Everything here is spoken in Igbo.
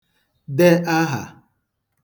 de ahà